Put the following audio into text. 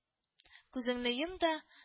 Күзеңне йом да